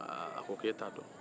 aaa a ko k'e t'a don